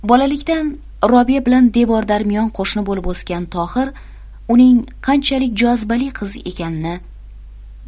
bolalikdan robiya bilan devordarmiyon qo'shni bo'lib o'sgan tohir uning qanchalik jozibali qiz ekanini